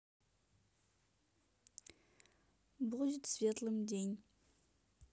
будет светлым день